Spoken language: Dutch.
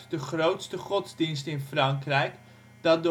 de grootste godsdienst in Frankrijk, dat